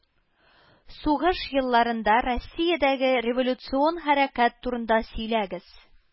Сугыш елларында Россиядәге революцион хәрәкәт турында сөйләгез